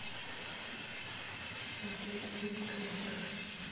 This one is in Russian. смотреть фильм клетка